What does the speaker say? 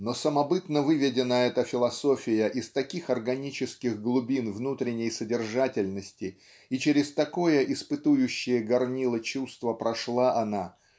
Но самобытно выведена эта философия из таких органических глубин внутренней содержательности и через такое испытующее горнило чувства прошла она